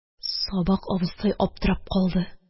Сабак абызтай аптырап калды.